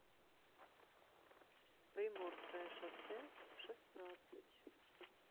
приморское шоссе шестнадцать